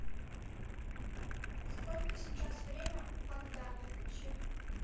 сколько сейчас время в богдановиче